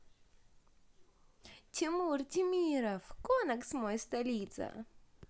тимур темиров конакс мой столица